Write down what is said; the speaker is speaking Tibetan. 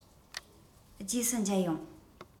རྗེས སུ མཇལ ཡོང